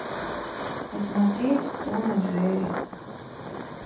посмотреть том и джерри